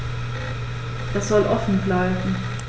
Das soll offen bleiben.